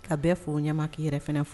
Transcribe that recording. Ka bɛɛ fo ɲama k'i yɛrɛ fana fo.